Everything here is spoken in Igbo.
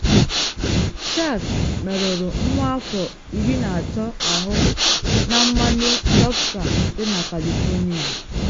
Shark merụrụ nwa afọ 13 ahụ na mmanye lọbsta dị na California